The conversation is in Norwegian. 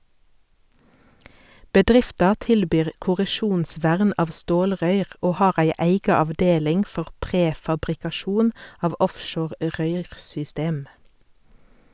Bedrifta tilbyr korrosjonsvern av stålrøyr, og har ei eiga avdeling for prefabrikasjon av offshore røyrsystem.